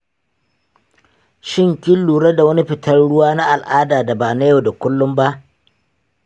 shin kin lura da wani fitar ruwa na al’ada da ba na yau da kullum ba?